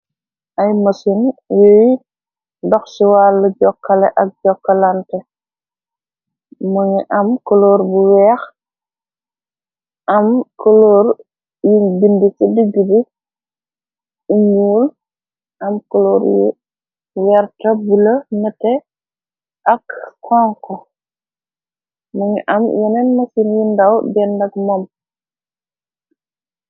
Ay mësin yuy dox ci wàll jokkale ak jokkalante mu ngi am koloor bu weex am koloor yi bindi ci digg bi u ñyuul am coloor yu weerte bu la nëte ak xonko mu ngi am yeneen masin yi ndàw dendak moom.